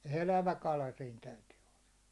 elävä kala siinä täytyy olla